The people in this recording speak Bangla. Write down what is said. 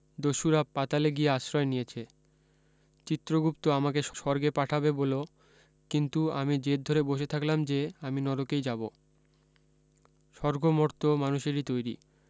দষ্যুরা পাতালে গিয়ে আশ্রয় নিয়েছে চিত্রগুপ্ত আমাকে সর্গে পাঠাবে বলো কিন্তু আমি জেদ ধরে বসে থাকলাম যে আমি নরকেই যাবো সর্গ মর্ত মানুষেরি তৈরী